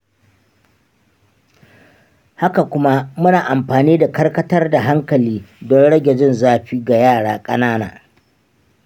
haka kuma muna amfani da karkatar da hankali don rage jin zafi ga yara ƙanana.